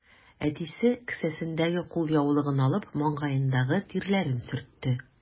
Әтисе, кесәсендәге кулъяулыгын алып, маңгаендагы тирләрен сөртте.